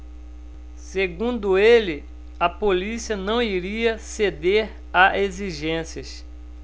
segundo ele a polícia não iria ceder a exigências